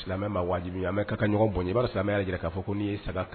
Ɲɔgɔn ye b'a jira k'a fɔ n saga